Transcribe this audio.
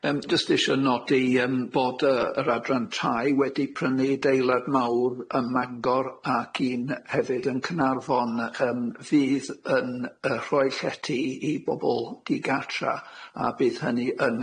Yym jyst isio nodi yym bod yy yr adran tai wedi prynu deilad mawr yy Magor ac un hefyd yn Cynarfon yy yym fydd yn yy rhoi llety i i bobol di-gatra a bydd hynny yn